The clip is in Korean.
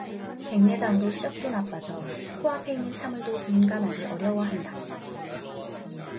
백내장으로 시력도 나빠져 코 앞에 있는 사물도 분간하기 어려워한다